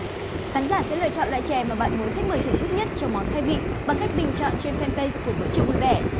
khán giả sẽ lựa chọn loại chè mà bạn muốn khách mời thưởng thức nhất cho món khai vị bằng cách bình chọn trên phen pây của bữa trưa vui vẻ